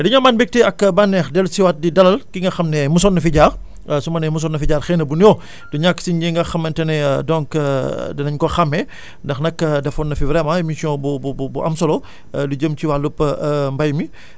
dañuy amaat mbégte ak bànneex dellu si waat di dalal ki nga xam ne mosoon na fi jaar su ma nee mosoon na fi jaar xëy na bu ñu du ñàkk si ñii nga xamante ne donc dinañ ko xàmme ndax nag defoon na fi vraiment émission bu bu bu am solo lu jëm ci wàllub mbéy mi tey